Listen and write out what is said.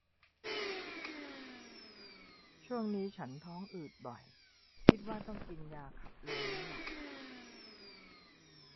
ช่วงนี้ฉันท้องอืดบ่อยคิดว่าต้องกินยาขับลมแล้วล่ะ